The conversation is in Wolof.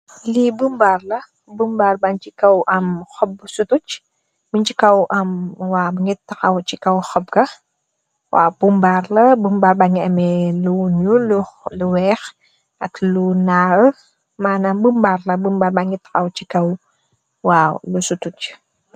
lii bumbarla bu mbaar ban ci kaw am xobb su tuj min ci kaw am wbu mbar la bu mbar ba ngi amee lu ñu lu weex ak lu naa mëna bu mbar la bumbar ba ngi txaw ci kaw wa bu su tucj